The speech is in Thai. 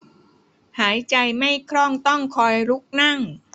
หายใจไม่คล่องต้องคอยลุกนั่ง